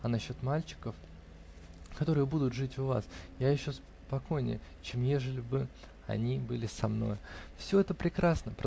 а насчет мальчиков, которые будут жить у вас, я еще покойнее, чем ежели бы они были со мною". Все это прекрасно!